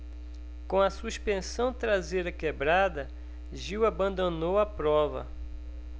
com a suspensão traseira quebrada gil abandonou a prova